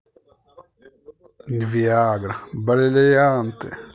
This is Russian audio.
виагра бриллианты